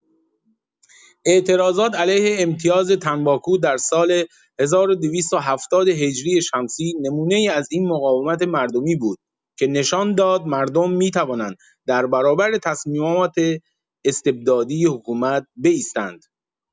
اعتراضات علیه امتیاز تنباکو در سال ۱۲۷۰ هجری شمسی نمونه‌ای از این مقاومت مردمی بود که نشان داد مردم می‌توانند در برابر تصمیمات استبدادی حکومت بایستند.